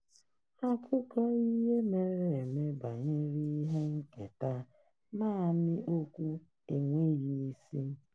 Akụkọ ihe mere eme banyere ihe nketa—naanị okwu enweghị isi.